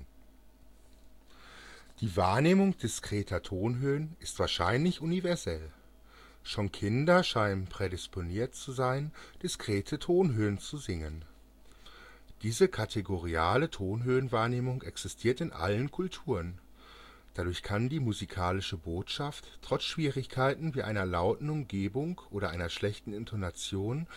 Die Wahrnehmung diskreter Tonhöhen ist wahrscheinlich universell. Schon Kinder scheinen prädisponiert zu sein, diskrete Tonhöhen zu singen. Diese kategoriale Tonhöhenwahrnehmung existiert in allen Kulturen - dadurch kann die musikalische Botschaft trotz Schwierigkeiten wie einer lauten Umgebung oder einer schlechten Intonation